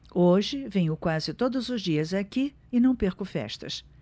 hoje venho quase todos os dias aqui e não perco festas